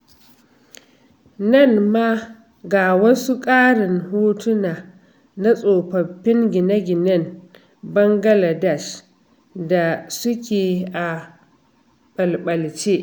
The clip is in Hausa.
Nan ma ga wasu ƙarin hotuna na tsofaffin gine-ginen Bangaladesh da suke a ɓalɓalce: